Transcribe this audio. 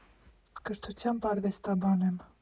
Կրթությամբ արվեստաբան եմ։